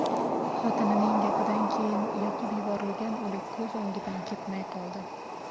xotinining gapidan keyin yoqib yuborilgan o'lik ko'z o'ngidan ketmay qoldi